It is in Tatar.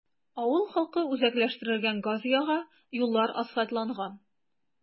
Авыл халкы үзәкләштерелгән газ яга, юллар асфальтланган.